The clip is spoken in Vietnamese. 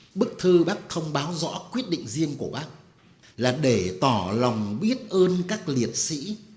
bức thư bác thông báo rõ quyết định riêng của bác là để tỏ lòng biết ơn các liệt sỹ